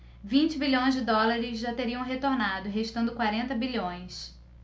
vinte bilhões de dólares já teriam retornado restando quarenta bilhões